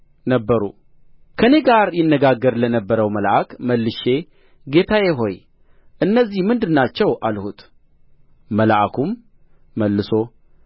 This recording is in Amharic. ነበሩ ከእኔ ጋር ይነጋገር ለነበረውም መልአክ መልሼ ጌታዬ ሆይ እነዚህ ምንድር ናቸው አልሁት መልአኩም መልሶ